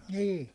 niin